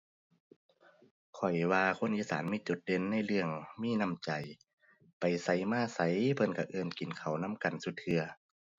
ข้อยว่าคนอีสานมีจุดเด่นในเรื่องมีน้ำใจ ไปไสมาไสเพิ่นก็เอิ้นกินข้าวนำกันซุเทื่อ